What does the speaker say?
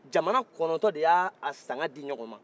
jamana kɔnɔtɔ de y'a sanga di ɲɔgɔn